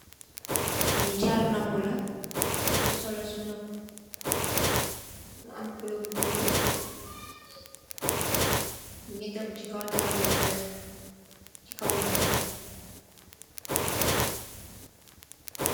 Lii jaarou nopu la, njung koi sorloh cii nopu, mu am couleur bu bulorre, mungy tehgu chi kaw darap bu wekh, chi kaw lal.